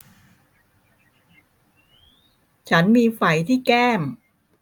ฉันมีไฝที่แก้ม